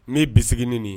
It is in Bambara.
Ne ye bisimila nin nin ye